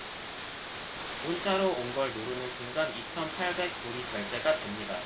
문자로 온 걸 누르는 순간 이천 팔백 불이 결제가 됩니다